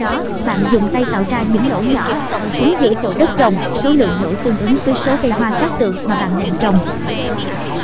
sau đó bạn dùng tay tạo ra những lỗ nhỏ ở chính giữa chậu đất trồng số lượng lỗ tương ứng với số cây hoa cát tường mà bạn định trồng